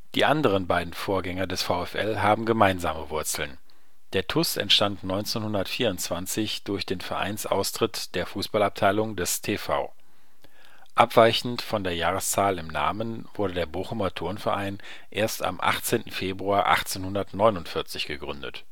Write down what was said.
Die anderen beiden Vorgänger des VfL haben gemeinsame Wurzeln: Der TuS entstand 1924 durch den Vereinsaustritt der Fußballabteilung des TV. Abweichend von der Jahreszahl im Namen wurde der Bochumer Turnverein erst am 18. Februar 1849 gegründet